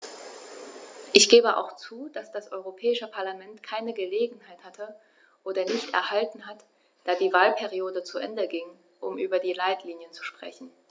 Ich gebe auch zu, dass das Europäische Parlament keine Gelegenheit hatte - oder nicht erhalten hat, da die Wahlperiode zu Ende ging -, um über die Leitlinien zu sprechen.